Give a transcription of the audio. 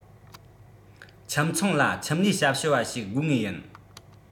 ཁྱིམ ཚང ལ ཁྱིམ ལས ཞབས ཞུ བ ཞིག དགོས ངེས ཡིན